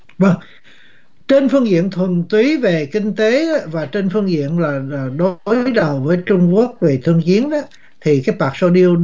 vâng trên phương diện thuần túy về kinh tế á và trên phương diện là là là đối đầu với trung quốc về thương giếng thì cái pạt sô điu